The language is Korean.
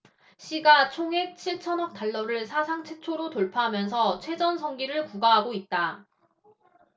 시가 총액 칠 천억 달러를 사상 최초로 돌파하면서 최전성기를 구가하고 있다